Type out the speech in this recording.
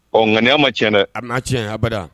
Ɔ ŋaniya ma tiɲɛ dɛ. A ma tiɲɛ, abada.